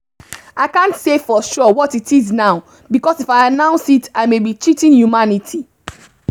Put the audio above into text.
I can't say for sure what it is now because if I announce it, I may be cheating humanity.